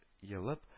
Елып